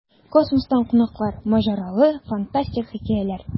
Космостан кунаклар: маҗаралы, фантастик хикәяләр.